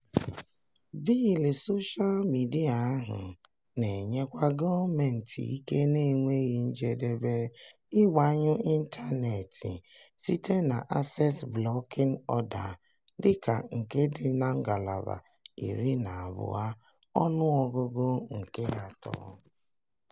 Bịịlụ soshaa midịa ahụ na-enyekwa gọọmentị ike na-enweghị njedebe ịgbanyụ ịntaneetị, site na "Access Blocking Order" dịka nke dị na Ngalaba 12, ọnụọgụgụ nke 3: